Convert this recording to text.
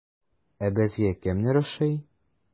Ә безгә кемнәр ошый?